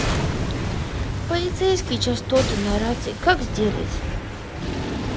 полицейские частоты на рации как сделать